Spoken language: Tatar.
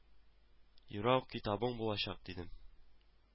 Юрау китабың булачак, дидем